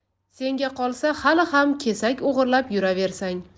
senga qolsa hali ham kesak o'g'irlab yuraversang